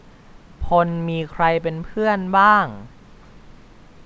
พลมีใครเป็นเพื่อนบ้าง